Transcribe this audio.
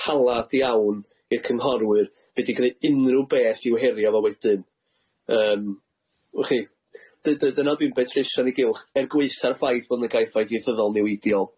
calad iawn i'r cynghorwyr be' di greu unrhyw beth i'w herio fo wedyn yym wch chi dy- dyna dwi'n petruso'n ei gylch er gwaetha'r ffaith bo' nw'n ga'r ffaith ieithyddol niweidiol.